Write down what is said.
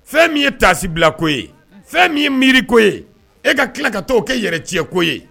Fɛn min ye tasi bila ko ye fɛn min ye miiri ko ye e ka tila ka taa kɛ yɛrɛ tiɲɛn ko ye